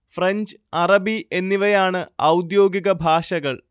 French അറബി എന്നിവയാണ് ഔദ്യോഗിക ഭാഷകൾ